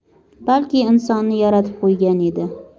balki insonni yaratib qo'ygan edi